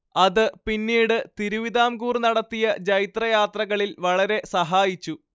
അത് പിന്നീട് തിരുവിതാംകൂർ നടത്തിയ ജൈത്രയാത്രകളിൽ വളരെ സഹായിച്ചു